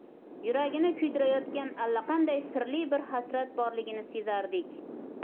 yuragini kuydirayotgan allaqanday sirli bir hasrat borligini sezardik